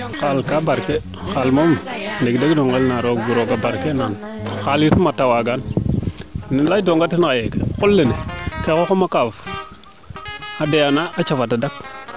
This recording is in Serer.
xaal ka barke xaal moom deg deg no ngel na roog roga barke naan xalis o mat a wagan ne leytoonga ten xaye o qol lene ko xoox ma kaaf a doyaan a cafa tadak